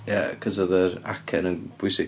Ia, achos oedd yr acen yn bwysig.